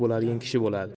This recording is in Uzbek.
bo'ladigan kishi bo'ladi